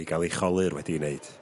...i gael ei cholur wedi 'i'w wneud.